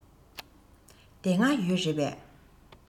དེ སྔ ཡོད རེད པས